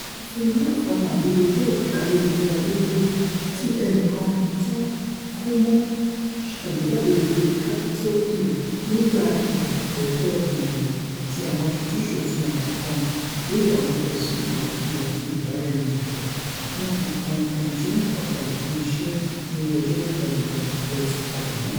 Ìwífúnni náà farahàn lórí ojú-òpò ayelujara lọ́jọ́ 'Ru, tí ẹnìkan tíwọ́n kòmọ̀ sàgbéjáde rẹ̀ lórí Capitol Hill nígbà ìgbẹ́jọ́ ìgbìmọ ti Àwọn Aṣojú-ṣòfin Àgbà kan lórí àwọn ẹ̀sùn ìwàkiwà ti ìbáraẹnilòpọ̀ tíwọ́n fi kan ẹnití wọ́n fàkalẹ̀ fún iṣẹ́ ní Ilé Ẹjọ́ Tógajùlọ Brett Kavanaugh.